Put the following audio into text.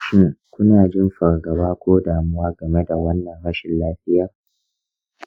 shin kuna jin fargaba ko damuwa game da wannan rashin lafiyar?